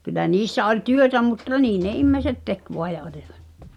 kyllä niissä oli työtä mutta niin ne ihmiset teki vain ja olivat